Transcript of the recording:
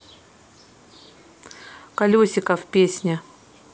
колесиков песня